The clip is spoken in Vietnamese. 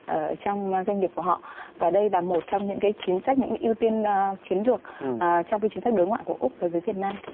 ở trong doanh nghiệp của họ và đây là một trong những cái chính sách những cái ưu tiên chiến lược trong khi chính sách đối ngoại của úc đối với việt nam